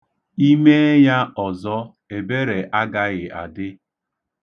I mee ya ọzọ, ebere agaghị adị.